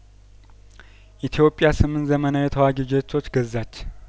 ኢትዮጵያስምንት ዘመናዊ ተዋጊ ጄቶች ገዛች